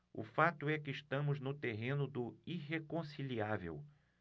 o fato é que estamos no terreno do irreconciliável